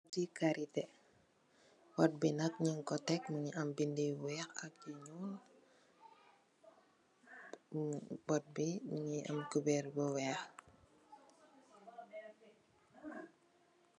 Poti karitè, pot bi nak nung ko tekk mungi am bindi yu weeh ak yu ñuul bu pot bi mungi am cubèr bu weeh.